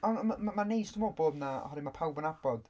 Ond ma' ma' ma' ma'n neis dwi'n meddwl bod 'na... Oherwydd ma' pawb yn nabod...